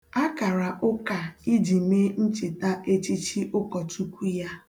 A kara ụka iji mee ncheta echichi ụkọchukwu ya.